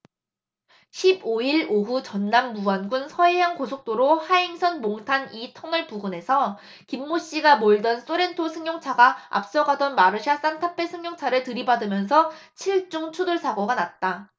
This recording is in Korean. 십 오 일 오후 전남 무안군 서해안고속도로 하행선 몽탄 이 터널 부근에서 김모씨가 몰던 쏘렌토 승용차가 앞서 가던 마르샤 싼타페 승용차를 들이받으면서 칠 중 추돌사고가 났다